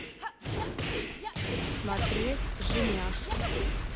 смотреть женяшу